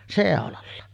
seulalla